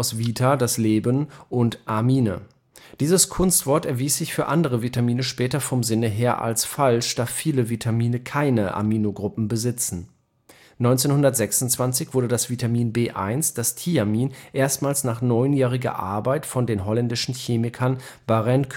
vita-das Leben und Amine) vor. Dieses Kunstwort erwies sich für andere Vitamine später vom Sinne her als falsch, da viele Vitamine keine Aminogruppen besitzen. 1926 wurde das Vitamin B1 (Thiamin) erstmals nach neunjähriger Arbeit von den holländischen Chemikern Barend